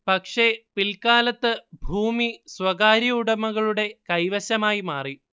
പക്ഷേ പിൽക്കാലത്ത് ഭൂമി സ്വകാര്യ ഉടമകളുടെ കൈവശമായി മാറി